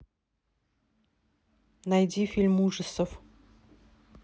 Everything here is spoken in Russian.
найди фильм ужасов